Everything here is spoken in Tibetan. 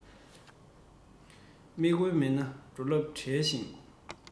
དམིགས འབེན མེད ན འགྲོ ལམ བྲལ ཅིང